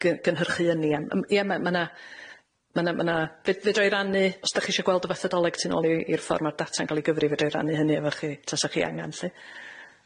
gyn- gynhyrchu ynni am yym, ie, ma' ma' 'na ma' 'na ma' 'na... Fe- fedra i rannu os dach chi isio gweld y fethodoleg tu nôl i i'r ffor ma'r data'n ga'l i gyfri, fedra i rannu hynny efo chi tasa chi angan lly.